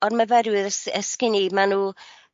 o'r myfyrwyr s- yy 'sgen i ma' n'w